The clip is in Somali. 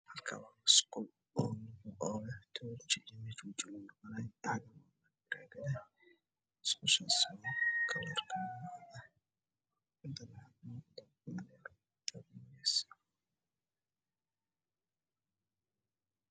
Meeshan waa meel shaawar musqul oo lagu qabeysto midabkeeda waa caddaan daruuriyada waa cadaan